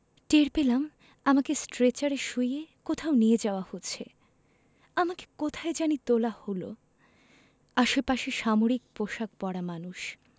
টের পেলাম আমাকে স্ট্রেচারে শুইয়ে কোথাও নিয়ে যাওয়া হচ্ছে আমাকে কোথায় জানি তোলা হলো আশেপাশে সামরিক পোশাক পরা মানুষ